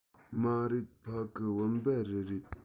མ རེད ཕ གི བུམ པ རི རེད